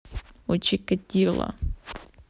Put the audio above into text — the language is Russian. у чикатило